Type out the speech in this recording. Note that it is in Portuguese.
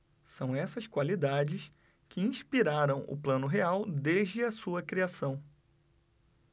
são essas qualidades que inspiraram o plano real desde a sua criação